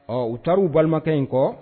Ɔ u taara' u balimakɛ in kɔ